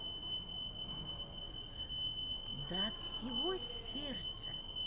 да от всего сердца